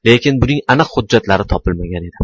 lekin buning aniq hujjatlari topilmagan edi